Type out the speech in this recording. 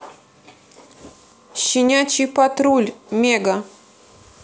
щенячий патруль мега